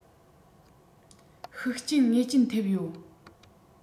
ཤུགས རྐྱེན ངེས ཅན ཐེབས ཡོད